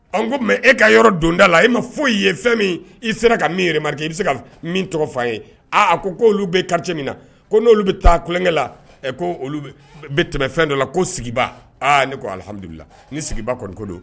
Mɛ e ka yɔrɔ donda la e ma foyi i ye fɛn min i sera ka min yɛrɛmarike i bɛ se min tɔgɔ fa ye aaa a ko ko bɛ kari min na ko n'olu bɛ taa kukɛ la ɛ ko tɛmɛ fɛn dɔ la ko sigiba ne ko alihadulila ni sigiba kɔni ko don